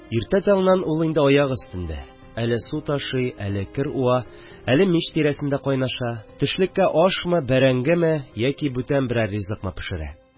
Иртә таңнан ул инде аяк өстендә: әле су ташый, әле кер уа, әле мич тирәсендә кайнаша, – төшлеккә ашмы, бәрәңгеме яки бүтән берәр ризыкмы пешерә